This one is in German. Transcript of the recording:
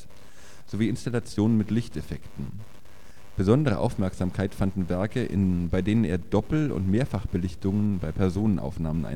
sowie Installationen mit Lichteffekten. Besondere Aufmerksamkeit fanden Werke, bei denen er Doppel - und Mehrfachbelichtungen bei Personenaufnahmen